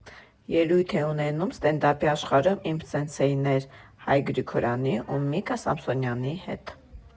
Ելույթ էի ունենում ստենդափի աշխարհում իմ սենսեյներ Հայկ Գրիգորյանի ու Միկա Սամսոնյանի հետ։